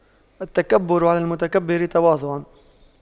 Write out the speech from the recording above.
التكبر على المتكبر تواضع